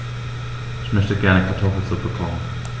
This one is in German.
Ich möchte gerne Kartoffelsuppe kochen.